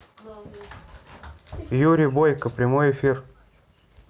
юрий бойко прямой эфир